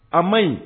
A man ɲi